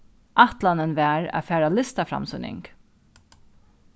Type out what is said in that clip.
ætlanin var at fara á listaframsýning